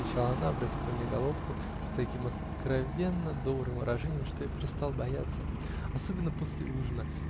-- отвечала она, обратив ко мне головку, с таким откровенно-добрым выражением, что я перестал бояться. -- Особенно после ужина.